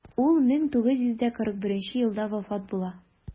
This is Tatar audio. Ул 1941 елда вафат була.